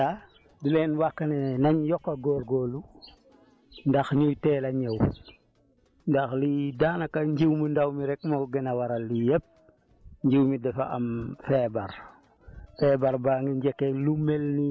maa ngi sant waa ISRA di leen wax que ne nañ yokk góorgóorlu ndax ñuy teel a ñëw ndax lii daanaka njiw mu ndaw mi rek moo gën a waral lii yëpp njiw mi dafa am feebar